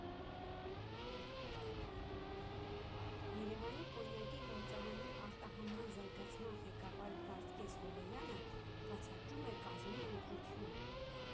Երևանի կոնյակի գործարանի արտահանման զարգացման ղեկավար Վարդգես Հովեյանը բացատրում է կազմի ընտրությունը.